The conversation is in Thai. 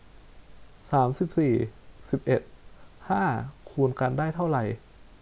สามสิบสี่สิบเอ็ดห้าคูณกันได้เท่าไหร่